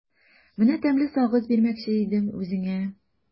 Менә тәмле сагыз бирмәкче идем үзеңә.